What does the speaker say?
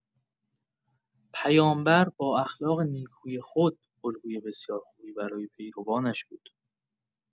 پیامبر با اخلاق نیکوی خود الگوی بسیار خوبی برای پیروانش بود.